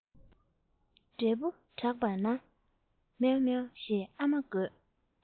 འབྲས བུ བསྒྲགས པས ན མཱེ མཱེ ཞེས ཨ མ དགོད